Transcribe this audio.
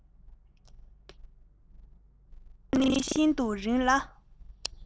བྱུང རིམ ནི ཤིན ཏུ རིང ལ